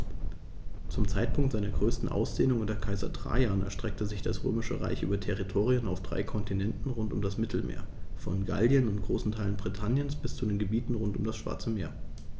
Zum Zeitpunkt seiner größten Ausdehnung unter Kaiser Trajan erstreckte sich das Römische Reich über Territorien auf drei Kontinenten rund um das Mittelmeer: Von Gallien und großen Teilen Britanniens bis zu den Gebieten rund um das Schwarze Meer.